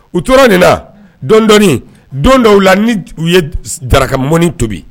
U tora de na dɔɔnindɔ don dɔw la ni u ye jararakamɔni tobi